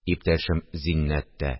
Иптәшем Зиннәт тә